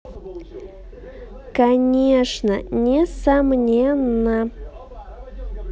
конечно несомненно